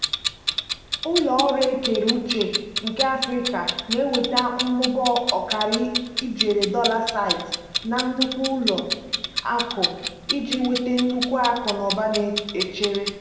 Ụlọ ọrụ ekeere uche nke Africa na-enweta mmụba ọkara ijeri dollar site na nnukwu ụlọ akụ iji nweta nnukwu akụ na ụba na-echere.